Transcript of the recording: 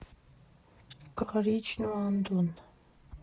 Կարիճն ու Անդոն։